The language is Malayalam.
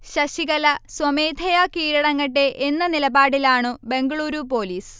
ശശികല സ്വമേധയാ കീഴടങ്ങട്ടെ എന്ന നിലപാടിലാണു ബംഗളൂരു പോലീസ്